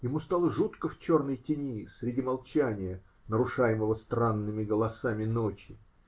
Ему стало жутко в черной тени, среди молчания, нарушаемого странными голосами ночи.